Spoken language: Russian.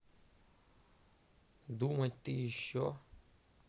думать ты еще